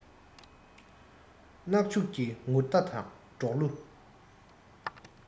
གནག ཕྱུགས ཀྱི ངུར སྒྲ དང འབྲོག གླུ